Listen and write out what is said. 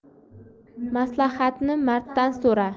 maslahatni marddan so'ra